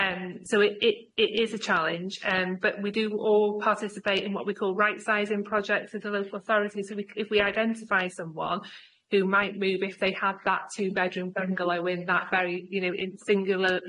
And so it it it is a challenge and but we do all participate in what we call right sizing projects with the local authorities so we c- if we identify someone who might move if they have that two bedroom bungalow in that very you know in singular